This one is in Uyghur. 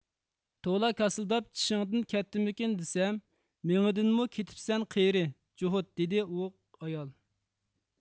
تولا كاسىلداپ چىشىڭدىن كەتتىممىكىن دېسەم مېڭىدىنمۇ كېتىپسەن قېرى جوھۇت دېدى ئۇ ئايال